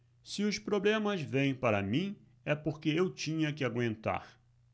se os problemas vêm para mim é porque eu tinha que aguentar